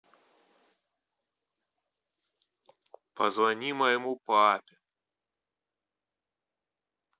позвоните моему папе